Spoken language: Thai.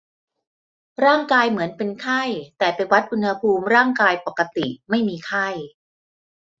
ร่างกายเหมือนเป็นไข้แต่ไปวัดอุณหภูมิร่างกายปกติไม่มีไข้